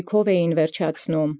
Ճաշակաւքն վճարէին։